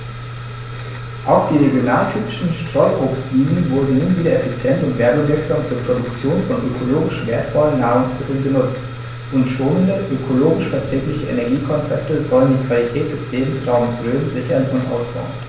Auch die regionaltypischen Streuobstwiesen werden nun wieder effizient und werbewirksam zur Produktion von ökologisch wertvollen Nahrungsmitteln genutzt, und schonende, ökologisch verträgliche Energiekonzepte sollen die Qualität des Lebensraumes Rhön sichern und ausbauen.